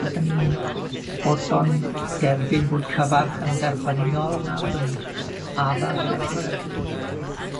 Fyddan ni'n fodlon derbyn bod cyfarch yn dderbyniol nawr yn addas ar gyfer?